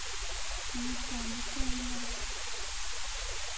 не то не то немножко